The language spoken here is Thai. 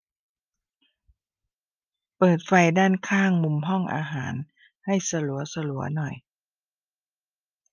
เปิดไฟด้านข้างมุมห้องอาหารให้สลัวสลัวหน่อย